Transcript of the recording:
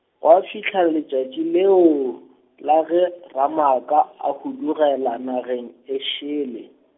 gwa fihla letšatši leo, la ge Ramaaka, a hudugela nageng e šele.